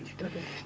dëgg la